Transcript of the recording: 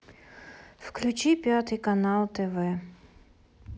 включи пятый канал тв